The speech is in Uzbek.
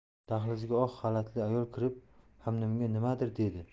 dahlizga oq xalatli ayol kirib hamdamga nimadir dedi